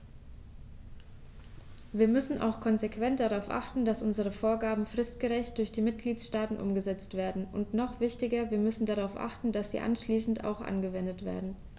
Wir müssen auch konsequent darauf achten, dass unsere Vorgaben fristgerecht durch die Mitgliedstaaten umgesetzt werden, und noch wichtiger, wir müssen darauf achten, dass sie anschließend auch angewendet werden.